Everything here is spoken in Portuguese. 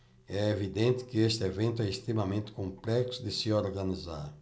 é evidente que este evento é extremamente complexo de se organizar